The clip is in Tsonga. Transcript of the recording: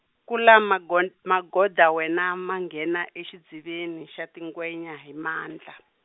kula Magon- Magoda wena manghena exidziveni xa tingwenya hi mandla.